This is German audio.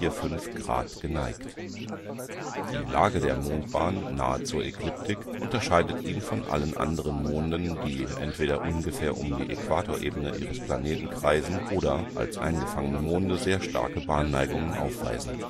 5,145° geneigt. Die Lage der Mondbahn nahe zur Ekliptik unterscheidet ihn von allen anderen Monden, die entweder ungefähr um die Äquatorebene ihres Planeten kreisen oder, als eingefangene Monde, sehr starke Bahnneigungen aufweisen